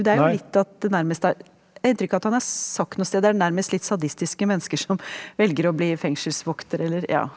det er jo litt at det nærmest er jeg har inntrykk av at han har sagt noe sted det er nærmest litt sadistiske mennesker som velger å bli fengselsvokter eller ja.